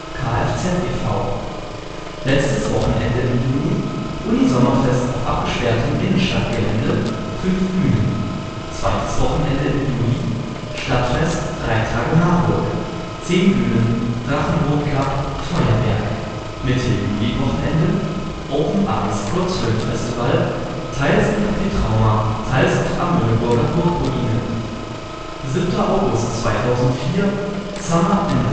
kfz e.V.) letztes Wochenende im Juni: Uni-Sommerfest auf abgesperrtem Innenstadtgelände (5 Bühnen) zweites Wochenende im Juli: Stadtfest " 3 Tage Marburg " (10 Bühnen, Drachenboot-Cup, Feuerwerk) Mitte Juli Wochenende: " Open Eyes " Kurzfilmfestival (teils im Café Trauma, teils auf Amöneburger Burg-Ruine) 7. August 2004 " Summer in